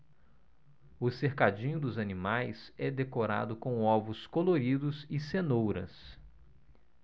o cercadinho dos animais é decorado com ovos coloridos e cenouras